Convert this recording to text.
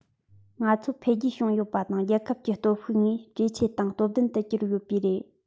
ང ཚོ འཕེལ རྒྱས བྱུང ཡོད པ དང རྒྱལ ཁབ ཀྱི སྟོབས ཤུགས དངོས ཇེ ཆེ དང སྟོབས ལྡན དུ གྱུར ཡོད པས རེད